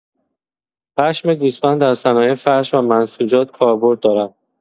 پشم گوسفند در صنایع فرش و منسوجات کاربرد دارد.